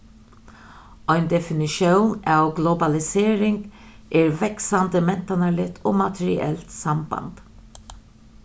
ein definitión av globalisering er vaksandi mentanarligt og materielt samband